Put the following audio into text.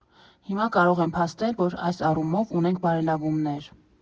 Հիմա կարող եմ փաստել, որ այս առումով ունենք բարելավումներ։